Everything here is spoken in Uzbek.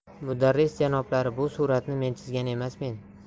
mudarris janoblari bu suratni men chizgan emasmen